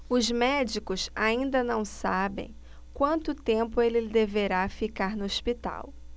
os médicos ainda não sabem quanto tempo ele deverá ficar no hospital